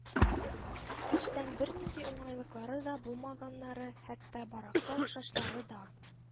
Эчтән бернинди уңайлыклары да булмаганнары, хәтта баракка охшашлары да